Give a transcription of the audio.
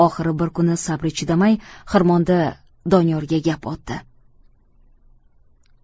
oxiri bir kuni sabri chidamay xirmonda doniyorga gap otdi